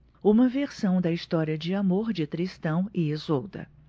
uma versão da história de amor de tristão e isolda